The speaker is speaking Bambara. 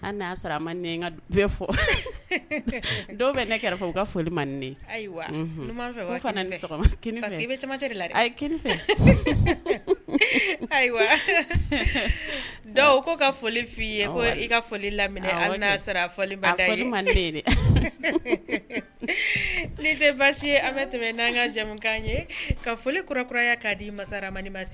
Bɛ kɛrɛfɛ foli man ayiwa i la ye fɛ ayiwa dɔw ko ka foli f i ye i ka foli lam ni tɛ basi an bɛ tɛmɛjakan ye ka foli kura kuraya k'a di masa ma ma ye